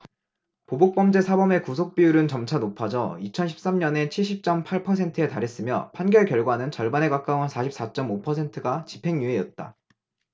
보복 범죄 사범의 구속 비율은 점차 높아져 이천 십 삼 년에 칠십 쩜 팔 퍼센트에 달했으며 판결 결과는 절반에 가까운 사십 사 쩜 오 퍼센트가 집행유예였다